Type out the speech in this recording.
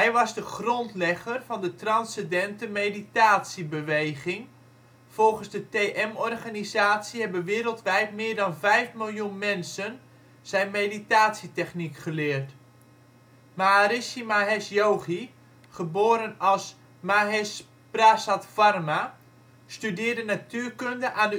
was de grondlegger van de Transcendente Meditatie (TM) - beweging. Volgens de TM-organisatie hebben wereldwijd meer dan vijf miljoen mensen zijn meditatietechniek geleerd. Maharishi Mahesh Yogi, geboren als Mahesh Prasad Varma, studeerde natuurkunde aan